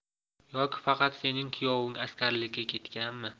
yoki faqat sening kuyoving askarlikka ketganmi